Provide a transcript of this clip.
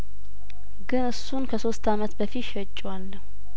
ግን እሱን ከሶስት አመት በፊት ሸጬዋለሁ